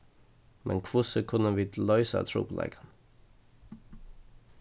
men hvussu kunnu vit loysa trupulleikan